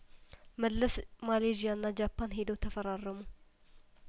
መለስ ማሌዥያና ጃፓን ሄደው ተፈራረሙ